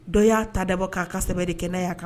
Dɔw y'a ta dabɔ k'a ka sɛ de kɛnɛya kan